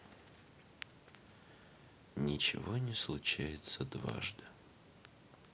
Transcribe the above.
ничто не случается дважды